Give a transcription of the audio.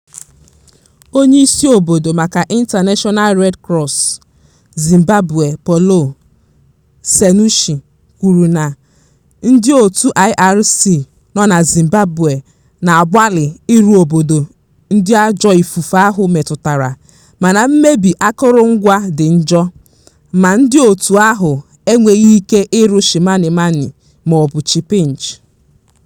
Onyeisi obodo maka International Red Cross (IRC) Zimbabwe Paolo Cernuschi kwuru na ndịòtù IRC nọ na Zimbabwe na-agbalị iru obodo ndị ajọ ifufe ahụ metụtara mana mmebi akụrụngwa dị njọ ma ndịòtù ahụ enweghị ike iru Chimanimani maọbụ Chipinge.